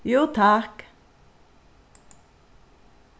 jú takk